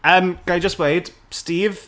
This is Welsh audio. Yym, ga'i jyst weud, Steve...